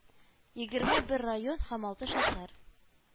Егерме бер район һәм алты шәһәр